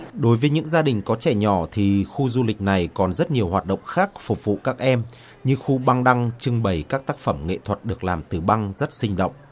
đối với những gia đình có trẻ nhỏ thì khu du lịch này còn rất nhiều hoạt động khác phục vụ các em như khu băng đăng trưng bày các tác phẩm nghệ thuật được làm từ băng rất sinh động